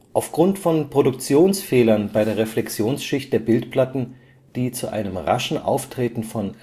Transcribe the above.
Aufgrund von Produktionsfehlern bei der Reflexionsschicht der Bildplatten, die zu einem raschen Auftreten von